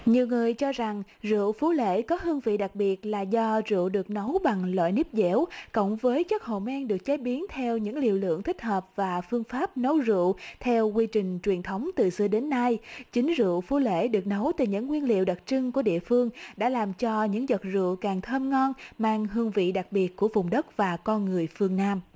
nhiều người cho rằng rượu phú lễ có hương vị đặc biệt là do rượu được nấu bằng loại nếp dẻo cộng với chất hồ men được chế biến theo những liều lượng thích hợp và phương pháp nấu rượu theo quy trình truyền thống từ xưa đến nay chính rượu phú lễ được nấu từ những nguyên liệu đặc trưng của địa phương đã làm cho những giọt rượu càng thơm ngon mang hương vị đặc biệt của vùng đất và con người phương nam